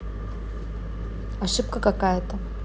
ошибка какая то